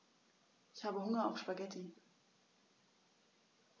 Ich habe Hunger auf Spaghetti.